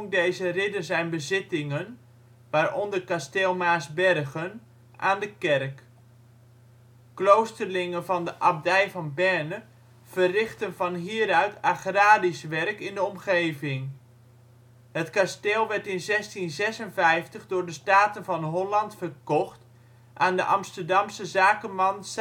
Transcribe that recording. deze ridder zijn bezittingen (waaronder kasteel Maarsbergen) aan de kerk. Kloosterlingen van de abdij van Berne verrichten van hieruit agrarisch werk in de omgeving. Het kasteel werd in 1656 door de Staten van Holland verkocht aan de Amsterdamse zakenman